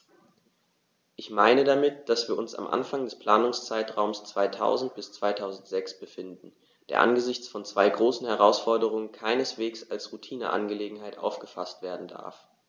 Ich meine damit, dass wir uns am Anfang des Planungszeitraums 2000-2006 befinden, der angesichts von zwei großen Herausforderungen keineswegs als Routineangelegenheit aufgefaßt werden darf.